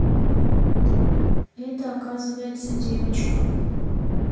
это оказывается девочка